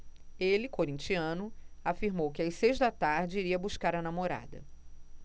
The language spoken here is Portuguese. ele corintiano afirmou que às seis da tarde iria buscar a namorada